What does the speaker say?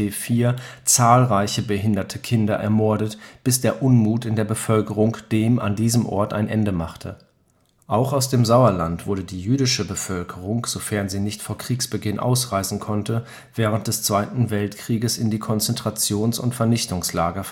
T4 “zahlreiche behinderte Kinder ermordet, bis der Unmut in der Bevölkerung dem an diesem Ort ein Ende machte. Auch aus dem Sauerland wurde die jüdischen Bevölkerung, sofern sie nicht vor Kriegsbeginn ausreisen konnte, während des Zweiten Weltkrieges in die Konzentrations - und Vernichtungslager